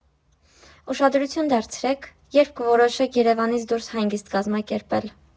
Ուշադրություն դարձրեք, երբ կորոշեք Երևանից դուրս հանգիստ կազմակերպել։